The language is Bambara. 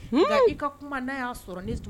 N y'i ka kuma'a y'a sɔrɔ nin tugun